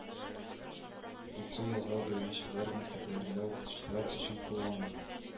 Уку-язу белмәүчеләр мәктәпләрендә укытучылар өчен кулланма